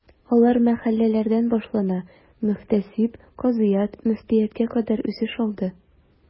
Алар мәхәлләләрдән башлана, мөхтәсиб, казыят, мөфтияткә кадәр үсеш алды.